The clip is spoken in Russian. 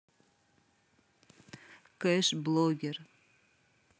кэш блогер